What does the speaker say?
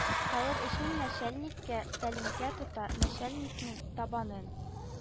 Калыр өчен нәчәлниккә тәлинкә тота, нәчәлникнең табанын